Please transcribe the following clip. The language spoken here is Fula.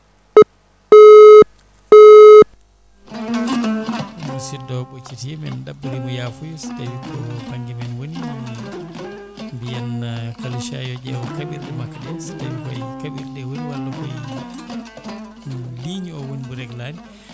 musidɗo o ɓoccitima en ɗaɓɓirimo yaafuya so tawi ko banggue men wooni mbiyen Kalisa yo ƴeew kaɓirɗe makko ɗe so tawi koye kaɓirɗe woni walla koye ligne o wona mo réglé ani